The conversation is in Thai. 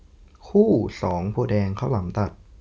คู่สองโพธิ์แดงข้าวหลามตัด